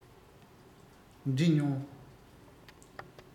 འདྲི མྱོང